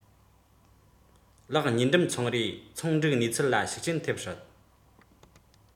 ལག ཉིས འགྲིམ ཚོང རའི ཚོང འགྲིག གནས ཚུལ ལ ཤུགས རྐྱེན ཐེབས སྲིད